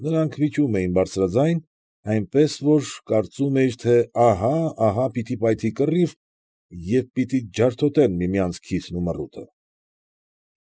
Նրանք վիճում էին բարձրաձայն, այնպես որ կարծում էիր, թե ահա, ահա՛ պիտի պայթի կռիվ, և պիտի ջարդոտեն միմյանց քիթն ա պռունգը։